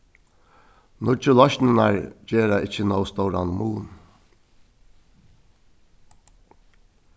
nýggju loysnirnar gera ikki nóg stóran mun